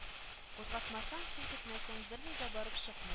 Кузгатмасаң, селкетмәсәң берни дә барып чыкмый